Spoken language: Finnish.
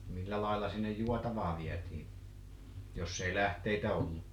millä lailla sinne juotavaa vietiin jos ei lähteitä ollut